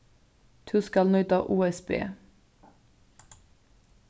tú skalt nýta usb